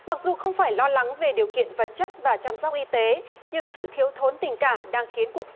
mặc dù không phải lo lắng về điều kiện vật chất và chăm sóc y tế nhưng sự thiếu thốn tình cảm đang khiến cuộc